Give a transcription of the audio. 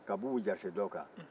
ka bubu jariso da o kan